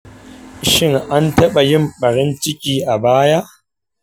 shin an taɓa yin ɓarin ciki a baya?